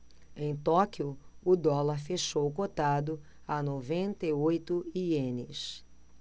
em tóquio o dólar fechou cotado a noventa e oito ienes